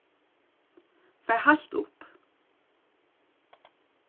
far heilt upp